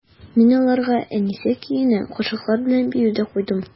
Мин аларга «Әнисә» көенә кашыклар белән бию дә куйдым.